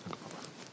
Fi'n gwbo bach.